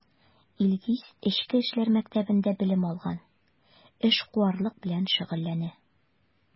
Илгиз Эчке эшләр мәктәбендә белем алган, эшкуарлык белән шөгыльләнә.